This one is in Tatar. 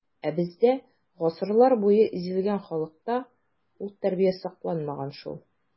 Ә бездә, гасырлар буе изелгән халыкта, ул тәрбия сакланмаган шул.